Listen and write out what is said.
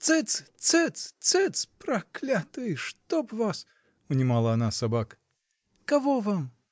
— Цыц-цыц-цы, проклятые, чтоб вас! — унимала она собак. — Кого вам?